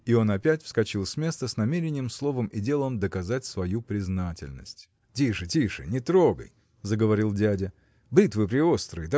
И он опять вскочил с места с намерением словом и делом доказать свою признательность. – Тише, тише, не трогай! – заговорил дядя – бритвы преострые